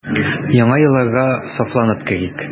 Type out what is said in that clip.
Яңа елларга сафланып керик.